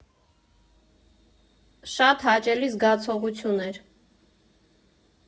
Շատ հաճելի զգացողություն էր։